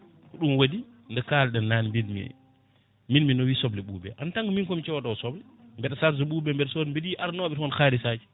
ko ɗum waɗi nde kalɗen naane mbimi min mi nawi soble ɓuuɓe en tant que min komi codowo soble mbeɗa charge ɓuuɓe mbiɗa soda mbiɗa yiiya aranoɓe toon halisaji